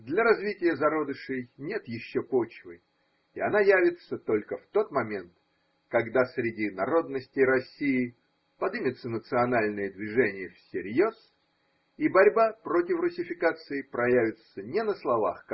Для развития зародышей нет еще почвы, и она явится только в тот момент, когда среди народностей России подымется национальное движение всерьез, и борьба против руссификации проявится не на словах.